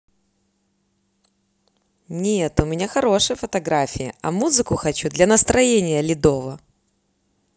нет у меня хорошие фотографии а музыку хочу для настроения ледово